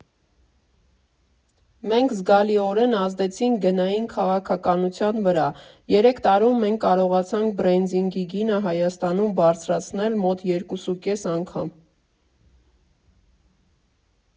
Մենք զգալիորենազդեցինք գնային քաղաքականության վրա։ Երեք տարում մենք կարողացանք բրենդինգի գինը Հայաստանում բարձրացնել մոտ երկուսուկես անգամ։